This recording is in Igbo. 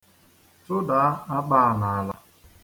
Tụdaa akpa a n'ala.